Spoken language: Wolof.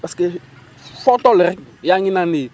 parce que foo toll rek yaa ngi naan nii